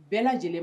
Bɛɛ lajɛlen